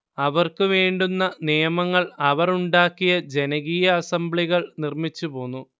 അവർക്ക് വേണ്ടുന്ന നിയമങ്ങൾ അവർ ഉണ്ടാക്കിയ ജനകീയ അസംബ്ലികൾ നിർമ്മിച്ചു പോന്നു